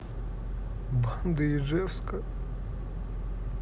банды ижевска